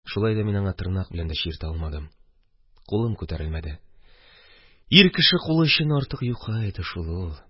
Шулай да мин аңа тырнак белән дә чиертә алмадым, кулым күтәрелмәде, ир кеше кулы өчен артык юка иде шул ул